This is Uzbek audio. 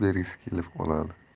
bergisi kelib qoladi